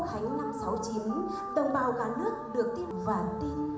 khánh năm sáu chín đồng bào cả nước được tin và tín